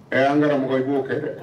Ɛ an kɛra mɔgɔ' kɛ dɛ